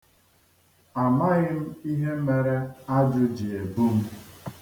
Amaghị m ihe mere ajụ ji ebu m.